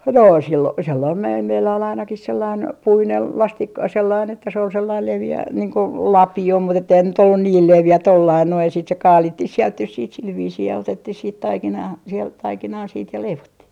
no - sellainen - meillä oli ainakin sellainen puinen - sellainen että se oli sellainen leveä niin kuin lapio mutta että eihän se nyt ollut niin leveä tuolla lailla noin ja sitten se kaavittiin sieltä nyt sitten sillä viisiin ja otettiin sitten taikinaa sieltä taikinaa sitten ja leivottiin